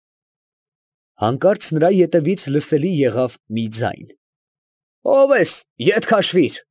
Հանկարծ նրա ետևից լսելի եղավ մի ձայն. ֊ Ո՞վ ես. ետ քաշվի՛ր։